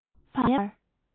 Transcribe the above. ད ལྟའི བར